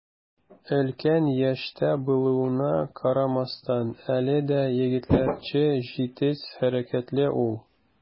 Өлкән яшьтә булуына карамастан, әле дә егетләрчә җитез хәрәкәтле ул.